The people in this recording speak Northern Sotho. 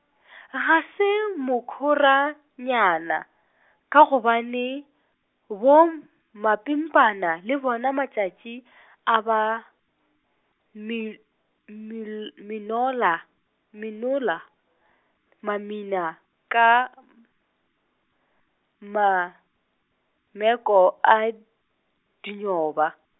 ga se mokhoranyana, ka gobane, bomapimpana le bona matšatši a ba, mil-, mil-, minola, minola, mamina ka , mameko a, dinyoba.